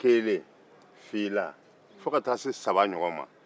kelen fila fo ka taa se saba ɲɔgɔn ma